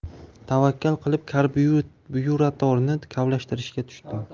tavakkal qilib karbyuratorni kavlashtirishga tushdim